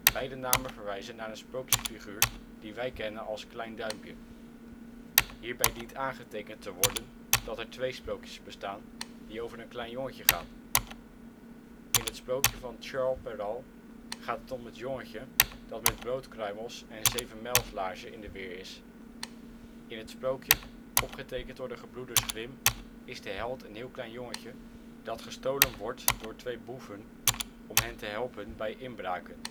Beide namen verwijzen naar een sprookjesfiguur die wij kennen als Klein Duimpje. Hierbij dient aangetekend te worden dat er twee sprookjes bestaan, die over een klein jongetje gaan. In het sprookje van Charles Perrault gaat het om het jongetje dat met broodkruimels en zevenmijlslaarzen in de weer is. In het sprookje, opgetekend door de gebroeders Grimm, is de held een heel klein jongetje dat door twee boeven wordt gestolen om hen te helpen bij inbraken